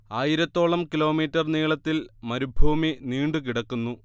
ആയിരത്തോളം കിലോമീറ്റർ നീളത്തിൽ മരുഭൂമി നീണ്ടു കിടക്കുന്നു